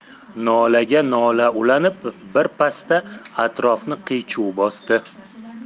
nolaga nola ulanib birpasda atrofni qiy chuv bosdi